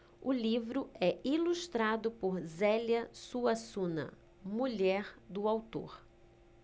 o livro é ilustrado por zélia suassuna mulher do autor